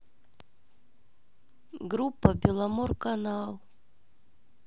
группа беломорканал